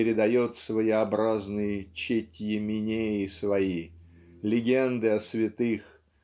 передает своеобразные Четьи-Минеи свои легенды о святых